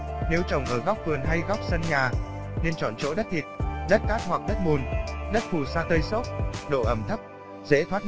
nếu trồng ở góc vườn hay góc sân nhà thì nên chọn chỗ đất thịt đất cát hoặc đất mùn đất phù sa tơi xốp độ ẩm thấp dễ thoát nước